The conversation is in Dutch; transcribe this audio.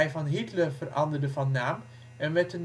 van Hitler veranderde van naam en werd